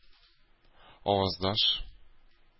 Аваздаш